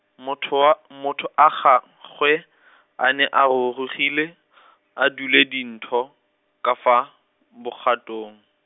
motho wa, maoto a gagwe , a ne a rurugile , a dule dintho, ka fa, bogatong.